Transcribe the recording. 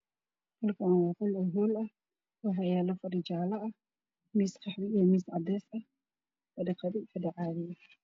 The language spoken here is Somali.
Hslkan waa qol hool ah waxayalo fadhi jale ah miis qaxwi io cades wana fadhi qado